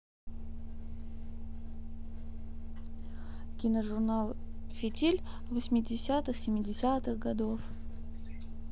киножурнал фитиль восьмидесятых семидесятых годов